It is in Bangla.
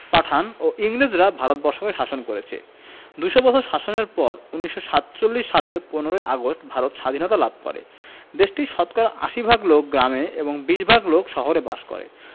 পাঠান ও ইংরেজরা ভারত বর্ষকে শাসন করেছে দু'শ বছরের শাসনের পর ১৯৪৭ সালের ১৫ ই আগস্ট ভারত সাধীনতা লাভ করেদেশটির শতকরা ৮০ ভাগ লোক গ্রামে এবং ২০ ভাগ লোক শহরে বাস করে